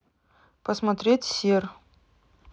посмотреть сер